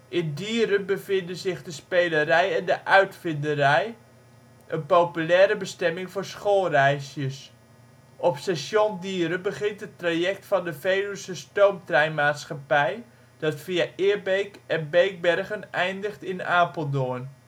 In Dieren bevinden zich de Spelerij en de Uitvinderij, een populaire bestemming voor schoolreisjes. Op station Dieren begint het traject van de Veluwse Stoomtrein Maatschappij (VSM) dat via Eerbeek en Beekbergen eindigt in Apeldoorn